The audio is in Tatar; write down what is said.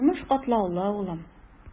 Тормыш катлаулы, улым.